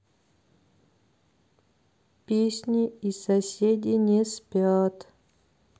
песня и соседи не спят